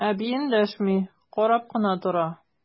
Әби эндәшми, карап кына тора.